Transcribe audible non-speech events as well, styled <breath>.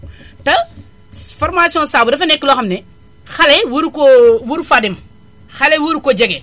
<breath> te formation saabu dafa nekk loo xam ne xale waru koo waru faa dem xale waru ko jege